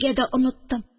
Дияргә дә оныттым.